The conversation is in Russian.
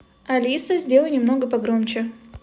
алиса сделай немного погромче